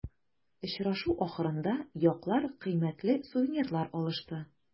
Очрашу ахырында яклар кыйммәтле сувенирлар алышты.